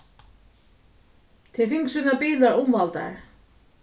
tær fingu sínar bilar umvældar